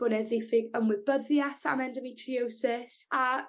bo' 'ne ddiffyg ymwybyddiath am endometriosis a